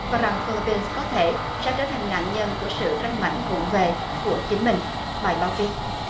và rằng phi líp pin có thể sẽ trở thành nạn nhân của sự ranh mãnh vụng về của chính mình bài báo viết